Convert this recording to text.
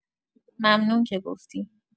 ممنون که گفتی